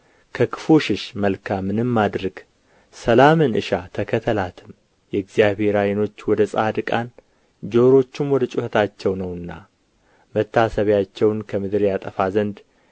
ከክፉ ሽሽ መልካምንም አድርግ ሰላምን እሻ ተከተላትም የእግዚአብሔር ዓይኖች ወደ ጻድቃን ጆሮቹም ወደ ጩኸታቸው ናቸውና መታሰቢያቸውን ከምድር ያጠፋ ዘንድ